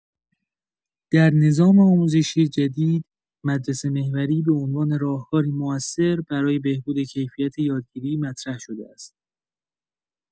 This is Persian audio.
در نظام آموزشی جدید، مدرسه‌محوری به عنوان راهکاری موثر برای بهبود کیفیت یادگیری مطرح شده است.